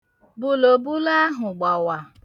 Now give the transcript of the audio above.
Bùlòbulo ahụ gbawa.